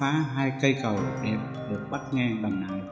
và khám phá hai cây cầu đẹp được bắc ngang qua đầm nại